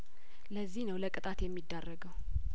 ለዚህ ነው ለቅጣት የሚዳርገው